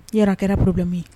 Yɔrɔ a kɛra probleme ye.